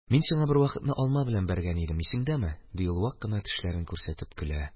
Мин сиңа бервакытны алма белән бәргән идем, исеңдәме? – ди ул, вак кына тешләрен күрсәтеп көлә.